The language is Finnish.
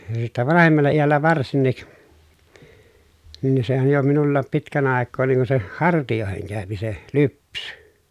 ja sitten vanhemmalla iällä varsinkin niin niin sehän jo minullakin pitkän aikaa niin kuin se hartioihin käy se lypsy